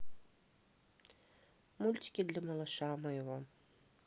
мультики для малыша моего